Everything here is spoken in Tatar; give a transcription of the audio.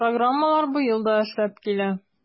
Программалар быел да эшләп килә.